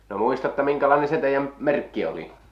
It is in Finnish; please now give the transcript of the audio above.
no muistatte minkälainen se teidän merkki oli